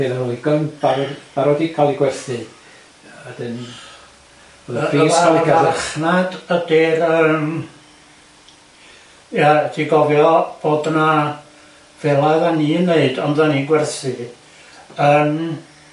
Pu o'dda n'w ddigon baro- barod i ca'l i gwerthu a 'dyn? O'dd y pris... y farchnad ydi'r yym ia rhaid ti gofio bod 'na fela o'dda ni'n neud ond o'dda ni'n gwerthu yn